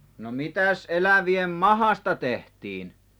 no mitäs elävien mahasta tehtiin